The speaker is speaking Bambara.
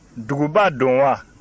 duguba don wa